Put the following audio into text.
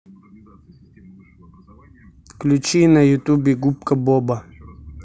включи на ютубе губка боба